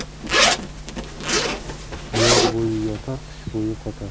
yoz bo'yi yotar qish bo'yi qotar